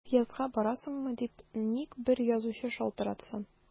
Съездга барасыңмы дип ник бер язучы шалтыратсын!